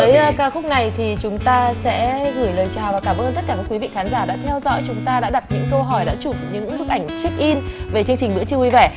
với ca khúc này thì chúng ta sẽ gửi lời chào và cảm ơn tất cả các quý vị khán giả đã theo dõi chúng ta đã đặt những câu hỏi đã chụp những bức ảnh chếch in về chương trình bữa trưa vui vẻ